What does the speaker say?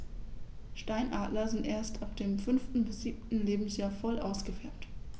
Steinadler sind erst ab dem 5. bis 7. Lebensjahr voll ausgefärbt.